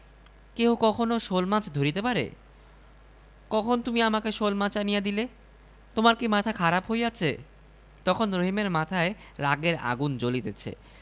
মাছটি লইয়া বউ তাড়াতাড়ি যে ক্ষেতে রহিম আজ লাঙল বাহিবে সেখানে পুঁতিয়া রাখিয়া আসিল